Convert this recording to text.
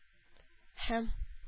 Һәм